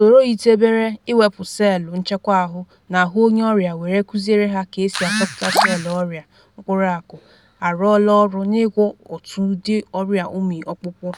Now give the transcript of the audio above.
Usoro yitebere inwepụ selụ nchekwa ahụ n’ahụ onye ọrịa were “kuziere” ha ka-esi achọpụta selụ ọrịa mkpụrụ akụ arụọla ọrụ n’ịgwọ otu ụdị ọrịa ụmị ọkpụkpụ.